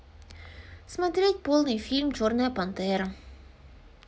смотреть полный фильм черная пантера